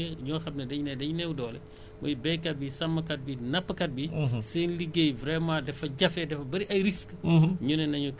donc bi ñu ko defee rekk lii yépp pour que askan bi pour que baykat yi ñi ñoo xam ne dañ ne dañu néew doole muy baykat bi sàmmkat bi nappkat bi